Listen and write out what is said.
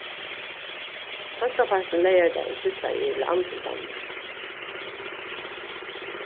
seinnapartin leygardagin súkklaði eg í land í danmark